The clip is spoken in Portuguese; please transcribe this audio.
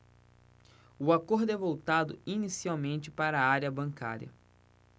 o acordo é voltado inicialmente para a área bancária